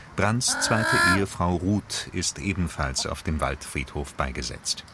Brandts zweite Ehefrau Rut ist ebenfalls auf dem Waldfriedhof beigesetzt